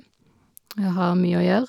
Jeg har mye å gjøre.